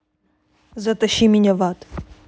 затащи меня в ад